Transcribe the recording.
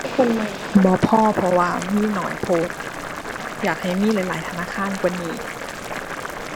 บ่พอ เพราะว่ามีน้อยโพด อยากให้มีหลายหลายธนาคารกว่านี้